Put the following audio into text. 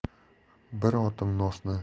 bir otim nosni